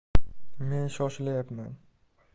men shoshilayapman